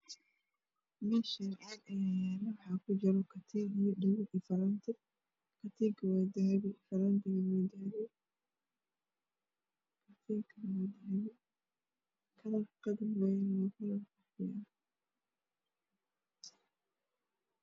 Meshaan caag ayaa yala waxaa ku jira katiin iyo dhego iyo faranti katiinka waa dahabi farantigana waa dahabi dhegahana waa dahabi kalarkooduna waa kalar dahabiya